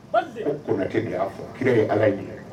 Tɛ y'a fɔ kira ye ala